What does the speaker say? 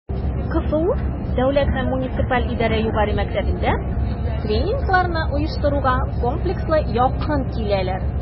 КФУ Дәүләт һәм муниципаль идарә югары мәктәбендә тренингларны оештыруга комплекслы якын киләләр: